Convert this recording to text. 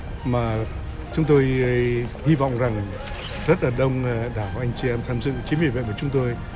mà chúng tôi hy vọng rằng rất là đông đảo anh chị em tham dự chính vì vậy chúng tôi